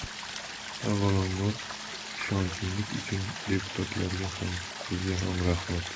avvalambor ishonchingiz uchun deputatlarga ham sizga ham rahmat